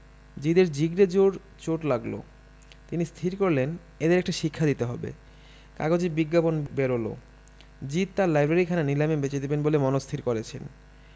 জিদে র জিগরে জোর চোট লাগল তিনি স্থির করলেন এদের একটা শিক্ষা দিতে হবে কাগজে বিজ্ঞাপন বেরল জিদ তাঁর লাইব্রেরিখানা নিলামে বেচে দেবেন বলে মনস্থির করেছেন